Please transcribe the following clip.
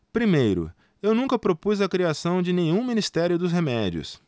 primeiro eu nunca propus a criação de nenhum ministério dos remédios